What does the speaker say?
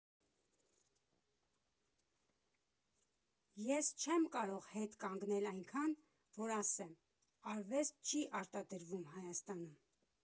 Ես չեմ կարող հետ կանգնել այնքան, որ ասեմ՝ արվեստ չի արտադրվում Հայաստանում։